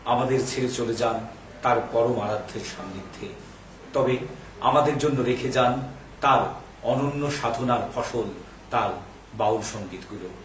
আমাদের ছেড়ে চলে যান তার পরম আরাধ্য এর সান্নিধ্যে তবে আমাদের জন্য রেখে যান তার অনন্য সাধনার ফসল তার বাউল সংগীত গুলো